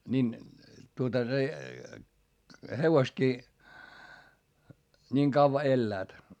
niin tuota se hevosetkin niin kauan elävät